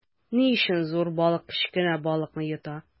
Ни өчен зур балык кечкенә балыкны йота?